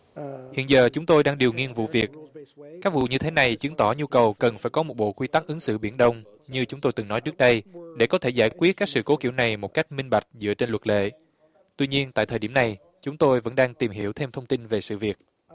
hiện giờ chúng tôi đang điều nghiên vụ việc các vụ như thế này chứng tỏ nhu cầu cần phải có một bộ quy tắc ứng xử biển đông như chúng tôi từng nói trước đây để có thể giải quyết các sự cố kiểu này một cách minh bạch dựa trên luật lệ tuy nhiên tại thời điểm này chúng tôi vẫn đang tìm hiểu thêm thông tin về sự việc